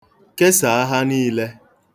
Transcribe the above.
Kesaa ha niile.